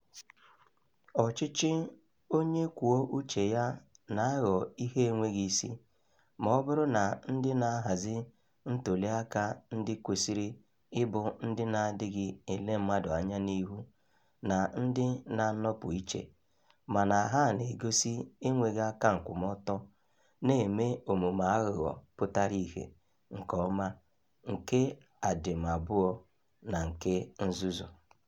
Ọchịchị onye kwuo uche ya na-aghọ ihe enweghị isi ma ọ bụrụ na ndị na-ahazi ntụliaka ndị kwesịrị ịbụ ndị na-adịghị ele mmadụ anya n'ihu na ndị na-anọpụ iche, mana ha na-egosi enweghị aka nkwụmọtọ, na-eme omume aghụghọ pụtara ihe nke ọma, nke adịm abụọ na nke nzuzu.